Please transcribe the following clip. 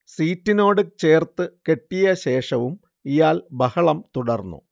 സീറ്റിനോട് ചേർത്ത് കെട്ടിയ ശേഷവും ഇയാൾ ബഹളം തുടർന്നു